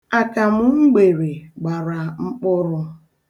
Akamụ m gbere gbara mkpụrụ.